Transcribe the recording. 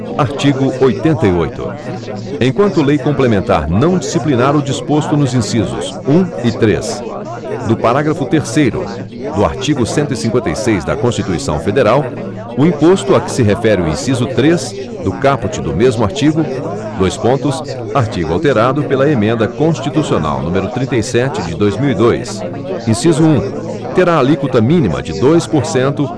artigo oitenta e oito enquanto lei complementar não disciplinar o disposto nos incisos um e três do parágrafo terceiro do artigo cento e cinquenta e seis da constituição federal o imposto a que se refere o inciso três do caput do mesmo artigo dois pontos artigo alterado pela emenda constitucional número trinta e sete de dois mil e dois inciso um terá alíquota mínima de dois por cento